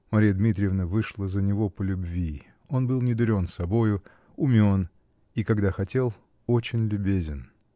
Марья Дмитриевна вышла за него по любви: он был недурен собою, умен и, когда хотел, очень любезен.